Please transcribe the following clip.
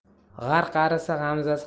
g'ar qarisa g'amzasi